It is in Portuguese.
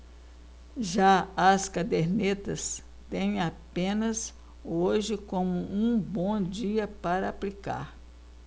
já as cadernetas têm apenas hoje como um bom dia para aplicar